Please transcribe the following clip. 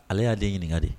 Ala y'a den ɲininka de.